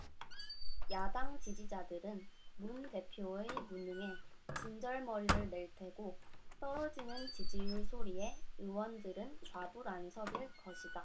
야당 지지자들은 문 대표의 무능에 진절머리를 낼 테고 떨어지는 지지율 소리에 의원들은 좌불안석일 것이다